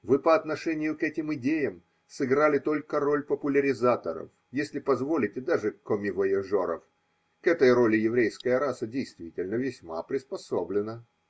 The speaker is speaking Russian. вы по отношению к этим идеям сыграли только роль популяризаторов, если позволите – даже коммивояжеров: к этой роли еврейская раса, действительно, весьма приспособлена.